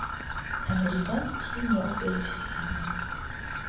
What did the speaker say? американские новые фильмы